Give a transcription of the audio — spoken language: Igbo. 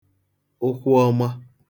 ụkwụ ọma